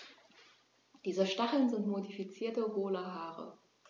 Diese Stacheln sind modifizierte, hohle Haare.